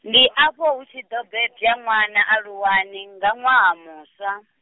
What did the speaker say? ndi afho hu tshi ḓo bebwa ṅwana Aluwani, nga ṅwaha muswa.